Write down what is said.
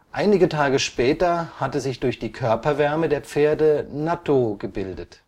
Einige Tage später hatte sich durch die Körperwärme der Pferde Nattō gebildet